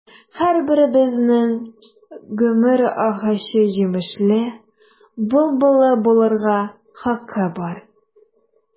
Һәрберебезнең гомер агачы җимешле, былбыллы булырга хакы бар.